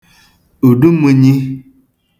ùdumūnyī